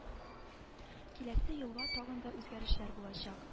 Киләсе елга тагын да үзгәрешләр булачак